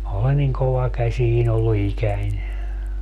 minä olen niin kovakäsinen ollut ikäni